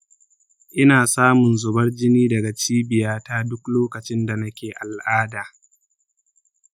ina samun zubar jini daga cibiyata duk lokacin da nake al’ada.